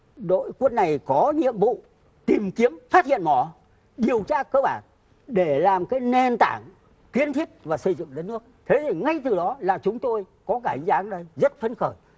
đội quân này có nhiệm vụ tìm kiếm phát hiện mỏ điều tra cơ bản để làm cái nền tảng kiến thiết và xây dựng đất nước thế thì ngay từ đó là chúng tôi có cảm giác rất phấn khởi